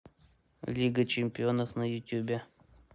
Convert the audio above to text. лига чемпионов на ютубе